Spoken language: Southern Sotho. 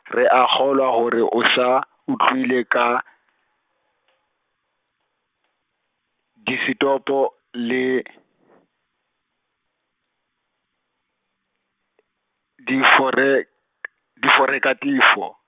re a kgolwa hore o sa, utlwile ka , disetopo le, difore- , diforekathifo.